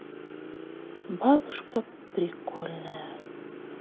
бабушка прикольная